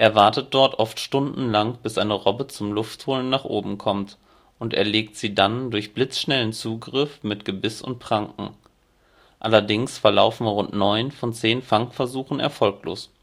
wartet dort oft stundenlang, bis eine Robbe zum Luftholen nach oben kommt, und erlegt sie dann durch blitzschnellen Zugriff mit Gebiss und Pranken. Allerdings verlaufen rund 9 von 10 Fangversuchen erfolglos